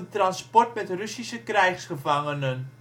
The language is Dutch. transport met Russische krijgsgevangenen